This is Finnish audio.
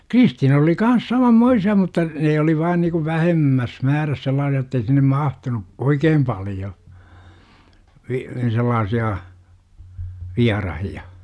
Kristiinassa oli kanssa samanmoisia mutta ne oli vain niin kuin vähemmässä määrässä sellaisia jotta ei sinne mahtunut oikein paljon - sellaisia vieraita